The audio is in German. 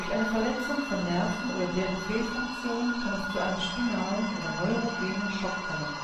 eine Verletzung von Nerven oder deren Fehlfunktion kann es zu einem spinalen oder neurogenen Schock kommen